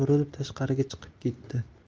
burilib tashqariga chiqib ketdi